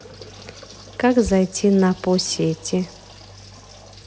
как зайти на по сети